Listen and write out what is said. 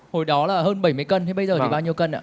hồi đó là hơn bảy mươi cân thế bây giờ thì bao nhiêu cân ạ